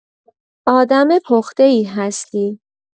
آدم پخته‌ای هستی.